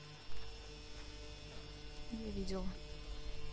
я видела